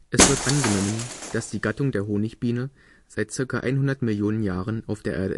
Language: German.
Es wird angenommen, dass die Gattung der Honigbiene seit ca. 100 Millionen Jahren auf der